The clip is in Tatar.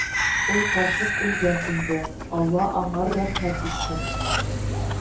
Ул карчык үлгән инде; алла аңар рәхмәт итсен